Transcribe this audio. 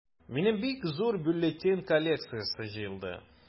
Минем бик зур бюллетень коллекциясе җыелды.